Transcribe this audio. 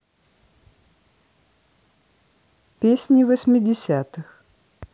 песни восьмидесятых